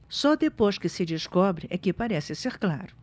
só depois que se descobre é que parece ser claro